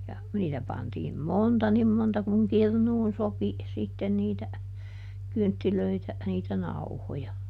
ja niitä pantiin monta niin monta kuin kirnuun sopi sitten niitä kynttilöitä niitä nauhoja